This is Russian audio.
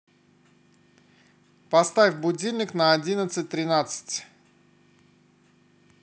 поставь будильник на одиннадцать тринадцать